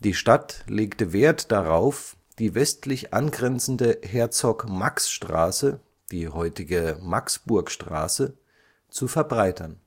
Stadt legte Wert darauf, die westlich angrenzende Herzog-Max-Straße (heute Maxburgstraße) zu verbreitern